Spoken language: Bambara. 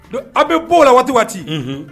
Do a' bɛ bɔ o la waati o waati